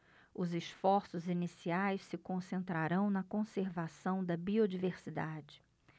os esforços iniciais se concentrarão na conservação da biodiversidade